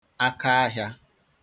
akaahịā